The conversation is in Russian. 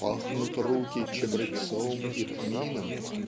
"пахнут руки чебрецом и тмином"